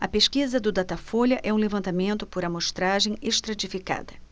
a pesquisa do datafolha é um levantamento por amostragem estratificada